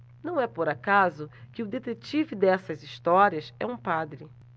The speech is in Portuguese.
não é por acaso que o detetive dessas histórias é um padre